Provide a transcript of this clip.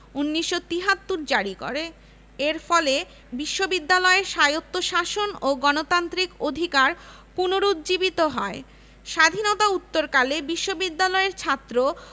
১৯৭৩ জারি করে এর ফলে বিশ্ববিদ্যালয়ের স্বায়ত্তশাসন ও গণতান্ত্রিক অধিকার পুনরুজ্জীবিত হয় স্বাধীনতা উত্তরকালে বিশ্ববিদ্যালয়ের ছাত্র